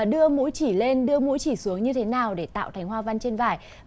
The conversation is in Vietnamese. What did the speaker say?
đưa mũi chỉ lên đưa mũi chỉ xuống như thế nào để tạo thành hoa văn trên vải